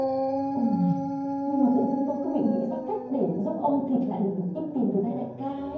ô mà này nhưng mà tự dưng tôi cứ bị nghĩ ra cách để giúp ông thịt lại được một ít tiền từ tay đại ca ý